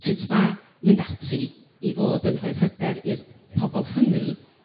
Sut ma' mynd ati i fod yn rhoi'r hyder i'r pobol hynny